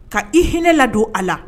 Ka i hinɛladon a la